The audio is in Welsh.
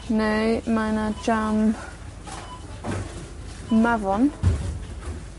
Neu mae 'na jam mafon